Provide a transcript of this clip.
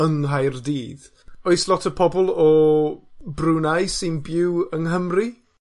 Yng Nghaerdydd. Oes lot o pobl o Bruneisy'n byw yng Nghymru?